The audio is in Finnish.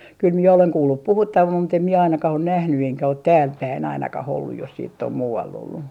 kyllä minä olen kuullut puhuttavan mutta en minä ainakaan ole nähnyt enkä ole täälläpäin ainakaan ollut jos sitten on muualla ollut